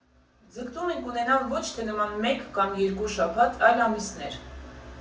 ֊ Ձգտում ենք ունենալ ոչ թե նման մեկ կամ երկու շաբաթ, այլ ամիսներ։